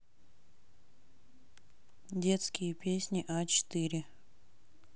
детские песни а четыре